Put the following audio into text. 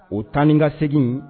O taanin ka segin